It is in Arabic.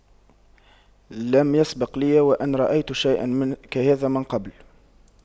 لم يسبق لي وأن رأيت شيئا من كهذا من قبل